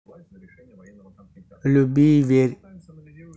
люби и верь